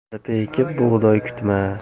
arpa ekib bug'doy kutma